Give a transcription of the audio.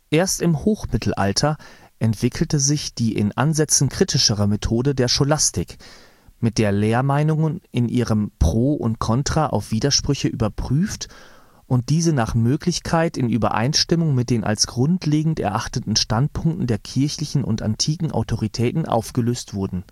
Erst im Hochmittelalter entwickelte sich die in Ansätzen kritischere Methode der Scholastik, mit der Lehrmeinungen in ihrem pro und contra auf Widersprüche überprüft und diese nach Möglichkeit in Übereinstimmung mit den als grundlegend erachteten Standpunkten der kirchlichen und antiken Autoritäten aufgelöst wurden